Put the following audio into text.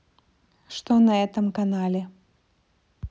что на этом канале